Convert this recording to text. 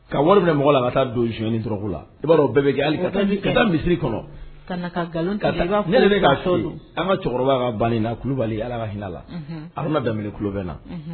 Ka wari minɛ mɔgɔ la ka taa don zoni dɔrɔn la i b'a bɛɛ bɛ kɛ ka misi kɔnɔ an ka cɛkɔrɔba ka ban kulubali ala ka hinɛlauna da ku bɛ na